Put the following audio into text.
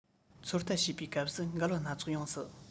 ཚོད ལྟ བྱེད པའི སྐབས སུ འགལ བ སྣ ཚོགས ཡོང སྲིད